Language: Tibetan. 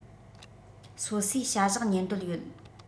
སོ སོས བྱ གཞག གཉེར འདོད ཡོད